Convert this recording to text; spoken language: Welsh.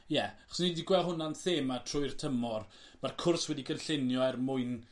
Ie achos ni di gwel' hwnna'n thema trwy'r tymor ma'r cwrs wedi cynllunio er mwyn